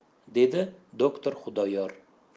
dedi doktor xudoyor